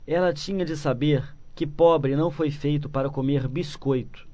ela tinha de saber que pobre não foi feito para comer biscoito